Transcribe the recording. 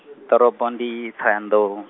ḓorobo ndi Ṱhohoyanḓou .